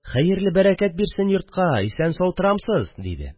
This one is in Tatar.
– хәерле бәрәкәт бирсен йортка, – исән-сау торамсыз? – диде